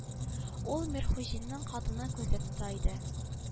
Ул мирхуҗинның хатынын күздә тота иде